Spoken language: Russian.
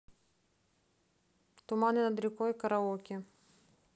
туманы над рекой караоке